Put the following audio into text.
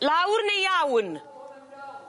Lawr neu iawn?